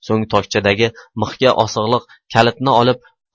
so'ng tokchadagi mixga osig'liq kalitni olib